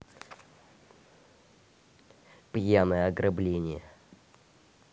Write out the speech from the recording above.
пьяное ограбление